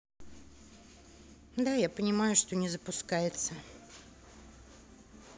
да я понимаю что не запускается